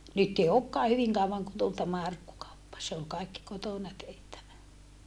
nyt ei olekaan hyvin kauan kuin tuli tämä arkkukauppa se oli kaikki kotona tehtävä